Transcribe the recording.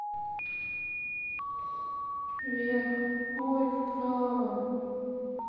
вверх ой вправо